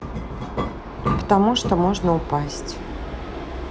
потому что можно упасть